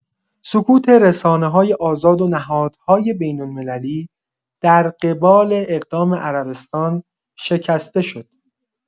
سکوت رسانه‌های آزاد و نهادهای بین‌المللی در قبال اقدام عربستان شکسته شد.